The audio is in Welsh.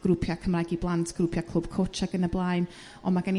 grwpia' Cymraeg i blant grwpia' clwb cwtsh ag yn y blaen ond ma' gen i